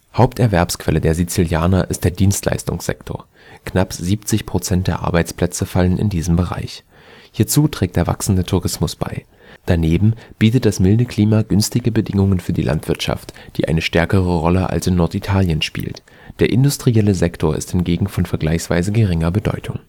Haupterwerbsquelle der Sizilianer ist der Dienstleistungssektor, knapp 70 % der Arbeitsplätze fallen in diesen Bereich. Hierzu trägt der wachsende Tourismus bei. Daneben bietet das milde Klima günstige Bedingungen für die Landwirtschaft, die eine stärkere Rolle als in Norditalien spielt. Der industrielle Sektor ist hingegen von vergleichsweise geringer Bedeutung